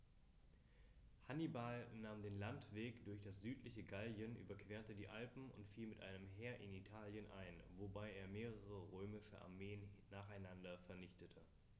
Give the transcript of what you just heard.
Hannibal nahm den Landweg durch das südliche Gallien, überquerte die Alpen und fiel mit einem Heer in Italien ein, wobei er mehrere römische Armeen nacheinander vernichtete.